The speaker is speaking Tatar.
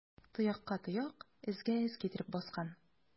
Тоякка тояк, эзгә эз китереп баскан.